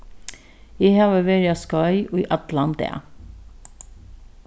eg havi verið á skeið í allan dag